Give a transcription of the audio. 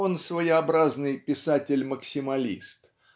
Он - своеобразный писатель-максималист.